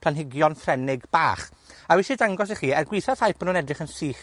planhigion Ffrengig bach. A wi isie dangos i chi, er gwitha ffaith bo' nw'n edrych yn sych